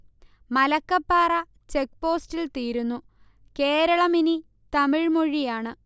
മലക്കപ്പാറ ചെക്പോസ്റ്റിൽ തീരുന്നു, കേരളം ഇനി തമിഴ്മൊഴിയാണ്